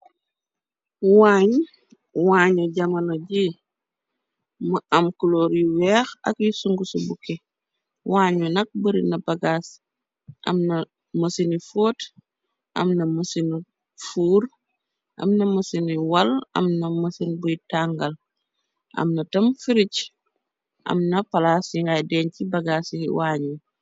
waañ waññu jamono ji mu am cloor yu weex ak i sungsu bukke waññu nak bari na bagaas am na mësini foot am na mësini fuur amna mësini wàll am na mësin buy tangal amna tam fridge am na palaas yi ngay deeñ ci bagaas yi waañ